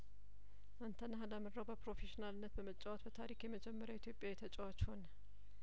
አንተነህ አላምረው በፕሮፌሽናልነት በመጫወት በታሪክ የመጀመሪያው ኢትዮጵያዊ ተጫዋች ሆነ